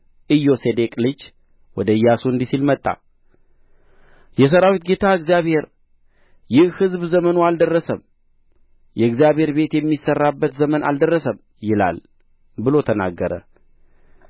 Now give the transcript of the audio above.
ኢዮሴዴቅ ልጅ ወደ ኢያሱ እንዲህ ሲል መጣ የሠራዊት ጌታ እግዚአብሔር ይህ ሕዝብ ዘመኑ አልደረሰም የእግዚአብሔር ቤት የሚሠራበት ዘመን አልደረሰም ይላል ብሎ ተናገረ